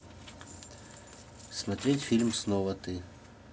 смотреть фильм снова ты